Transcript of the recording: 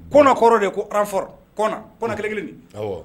Ko kɔrɔ de ko fa kɔn kɛlɛ kelen